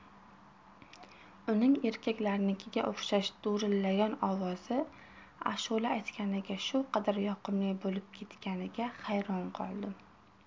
uning erkaklarnikiga o'xshash do'rillagan ovozi ashula aytganida shu qadar yoqimli bo'lib ketganiga hayron qoldim